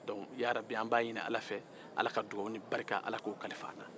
donc yarabi an b'a ɲinin ala fɛ ala ka dugawu ni barika ala k''o kilif'an na